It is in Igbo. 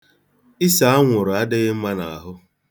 Ise anwụrụ adịghị mma n'ahụ.